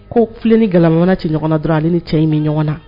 Ko fi ni gamamana cɛ ɲɔgɔnna dɔrɔn a ni cɛ in min ɲɔgɔn na